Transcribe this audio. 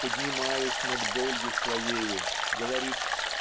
поднимаясь над болью своею говорит